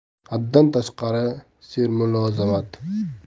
haddan tashqari sermulozamat